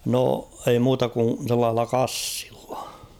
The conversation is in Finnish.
no ei muuta kuin sellaisella kassilla